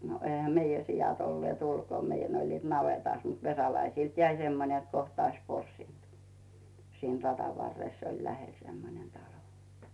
no eihän meidän siat olleet ulkona meidän olivat navetassa mutta Vesalaisilta jäi semmoinen että kohta olisi porsinut siinä radan varressa oli lähellä semmoinen talo